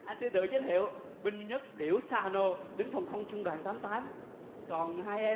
anh xin tự giới thiệu binh nhất điểu xa nô lính phòng không trung đoàn tám tám còn hai em